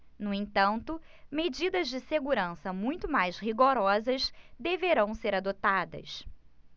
no entanto medidas de segurança muito mais rigorosas deverão ser adotadas